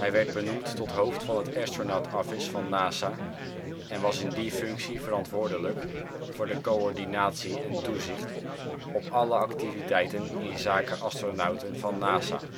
werd benoemd tot hoofd van het Astronaut Office van NASA en was in die functie verantwoordelijk voor de coördinatie en toezicht op alle activiteiten inzake astronauten van NASA